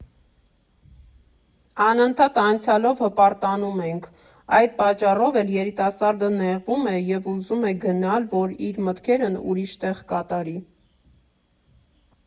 Անընդհատ անցյալով հպարտանում ենք, այդ պատճառով էլ երիտասարդը նեղվում է և ուզում է գնալ, որ իր մտքերն ուրիշ տեղ կատարի։